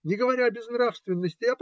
Не говоря о безнравственности.